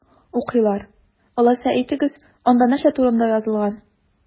Укыйлар! Алайса, әйтегез, анда нәрсә турында язылган?